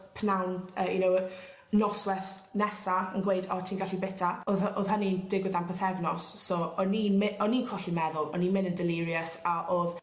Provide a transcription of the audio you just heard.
pnawn yy you know y nosweth nesa yn gweud o ti'n gallu bita o'dd o- o'dd hynny'n digwydd am pythefnos so o'n i'n my- o'n i'n colli meddwl o'n i'n myn' yn delirious a o'dd